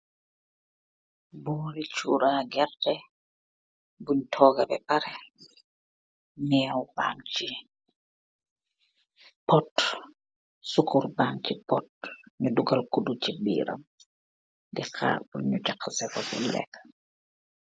Bolee chura gerrte bun tooga ba pareh, meew bagsi pot, sukurr bagse pot nu dogal kudu se biram de harr purr nu jahaseku purr leka.